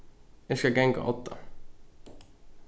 eg skal ganga á odda